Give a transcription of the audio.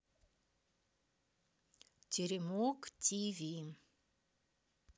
теремок тв